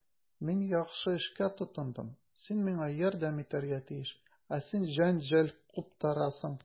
Мин яхшы эшкә тотындым, син миңа ярдәм итәргә тиеш, ә син җәнҗал куптарасың.